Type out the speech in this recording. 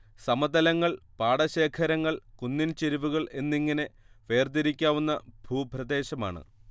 സമതലങ്ങൾ പാടശേഖരങ്ങൾ കുന്നിൻ ചരിവുകൾ എന്നിങ്ങനെ വേർതിരിക്കാവുന്ന ഭൂപ്രദേശമാണ്